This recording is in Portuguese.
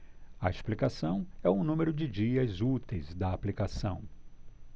a explicação é o número de dias úteis da aplicação